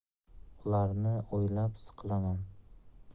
ularni o'ylab siqilaman